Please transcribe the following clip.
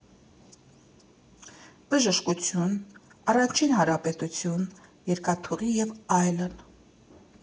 Բժշկություն, Առաջին հանրապետություն, երկաթուղի և այլն.